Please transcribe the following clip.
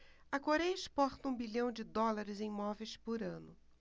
a coréia exporta um bilhão de dólares em móveis por ano